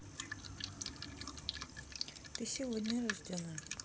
ты сегодня рождена